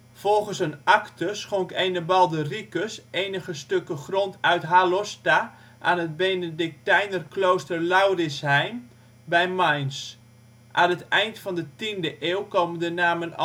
Volgens een akte schonk ene Baldericus enige stukken grond uit " Halosta " aan het Benedictijner klooster Laurisheim bij Mainz. Aan het eind van de tiende eeuw komen de namen